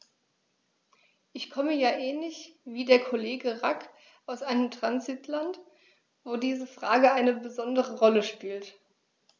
Ich komme ja ähnlich wie der Kollege Rack aus einem Transitland, wo diese Frage eine besondere Rolle spielt.